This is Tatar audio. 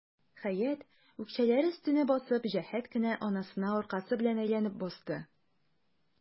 Хәят, үкчәләре өстенә басып, җәһәт кенә анасына аркасы белән әйләнеп басты.